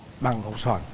bằng hột xoàn